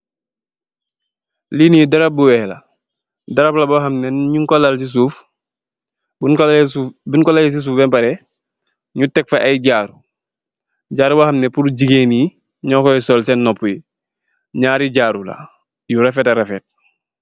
Lineh daram bu weeh laah , daram bohammanteh laah jun gooh laal si soof, bunguh laleh si suuf bu pereh , yu teeh faah ayy njaruh , njaruh bohammanteh bul jigeen neeh laah joog gooh sol senn nopahbi , njareh njaruh laah yu refet ta refet.